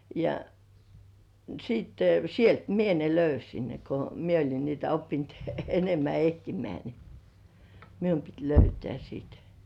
ja sitten sieltä minä ne löysin ne kun minä olin niitä oppinut enemmän etsimään niin minun piti löytää sitten